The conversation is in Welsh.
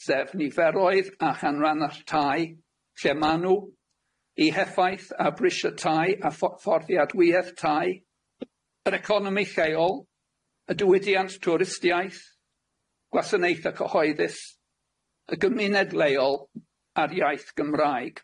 Sef niferoedd a chanrannach tai lle ma' nw, i heffaith a brisiau tai a pho- fforddiad wyedd tai, yr economi lleol, y diwydiant twristiaeth, gwasanaethe cyhoeddus, y gymuned leol, ar iaith Gymraeg.